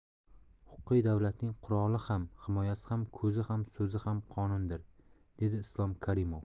huquqiy davlatning quroli ham himoyasi ham ko'zi ham so'zi ham qonundir dedi islom karimov